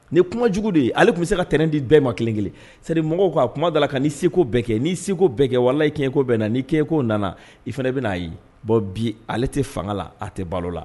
Nin kuma jugu de ye ale tun bɛ se ka tɛnɛn di bɛɛ ma kelenkelen seri mɔgɔw ka kuma dala la ka' seguko bɛɛ kɛ ni seko bɛɛ kɛ walahi keko bɛɛ na ni keko nana i fana bɛ'a ye bi ale tɛ fanga la a tɛ balo la